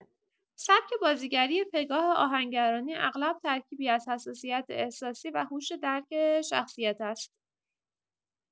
سبک بازیگری پگاه آهنگرانی اغلب ترکیبی از حساسیت احساسی و هوش درک شخصیت است؛